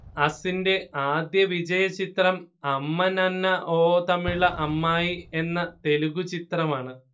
അസിന്റെ ആദ്യത്തെ വിജയചിത്രം അമ്മ നന്ന ഓ തമിള അമ്മായി എന്ന തെലുഗു ചിത്രമാണ്